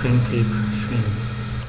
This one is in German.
Prinzip schwimmt.